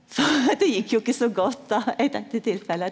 det gjekk jo ikkje så godt då i dette tilfellet.